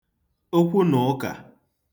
okwunụ̀ụkà